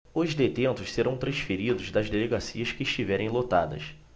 os detentos serão transferidos das delegacias que estiverem lotadas